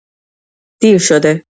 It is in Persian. دیر شده